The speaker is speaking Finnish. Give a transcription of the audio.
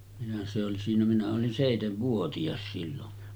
minä se oli siinä minä olin seitsenvuotias silloin